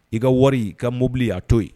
I ka wari i ka mobili y'a to yen